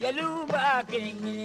Jelimu b'a kɛ